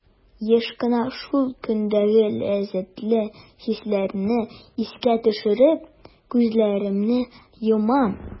Еш кына шул көндәге ләззәтле хисләрне искә төшереп, күзләремне йомам.